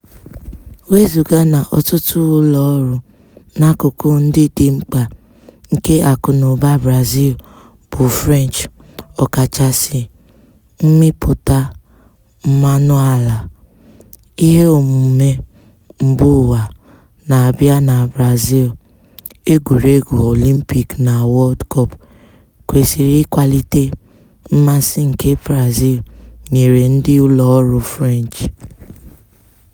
Wezuga na ọtụtụ ụlọọrụ n'akụkụ ndị dị mkpa nke akụnaụba Brazil bụ French (ọkachasị mmịpụta mmanụ ala), iheomume mbaụwa na-abịa na Brazil (Egwuregwu Olympic na World Cup) kwesịrị ịkwalite mmasị nke Brazil nyere ndị ụlọọrụ French.